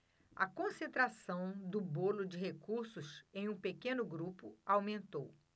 a concentração do bolo de recursos em um pequeno grupo aumentou